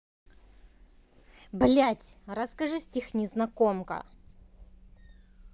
блядь расскажи стих незнакомка